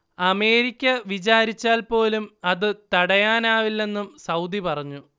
America വിചാരിച്ചാൽ പോലും അത് തടയാനാവില്ലെന്നും സൗദി പറഞ്ഞു